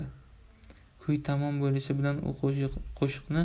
kuy tamom bo'lishi bilan u qo'shiqni